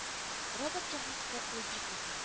Робот техникасы – ул бик мөһим